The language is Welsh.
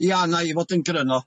Ia na'i fod yn gryno.